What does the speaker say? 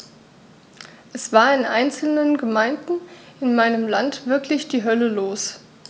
Es war in einzelnen Gemeinden in meinem Land wirklich die Hölle los.